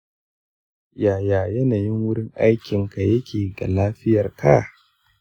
yaya yanayin wurin aikinka yake ga lafiyarka?